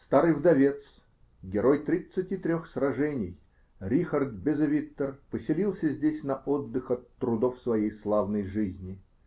*** Старый вдовец, герой тридцати трех сражений Рихард Безевиттер поселился здесь на отдых от трудов своей славной жизни.